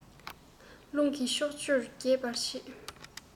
རླུང གིས ཕྱོགས བཅུར རྒྱས པར བྱེད